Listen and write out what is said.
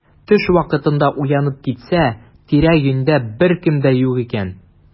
Төш вакытында уянып китсә, тирә-юньдә беркем дә юк икән.